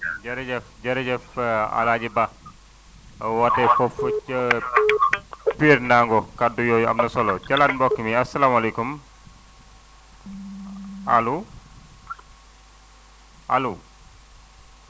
jërëjëf jërëjëf El Hadj Ba wootee foofu ca Pire Nango kaddu yooyu am na solo jëlaat mbokk mi asalaamaaleykum allo allo